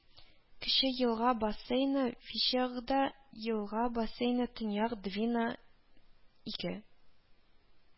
Кече елга бассейны Вычегда, елга бассейны Төньяк Двина ике